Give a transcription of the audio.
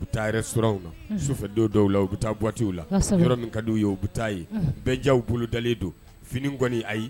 U bɛ taa yɛrɛ sw la sofɛ dɔw dɔw la u bɛ taawatiw la s yɔrɔ min ka d u ye u bɛ taa ye bɛɛ jaw bolo dalenlen don fini kɔni ayi ye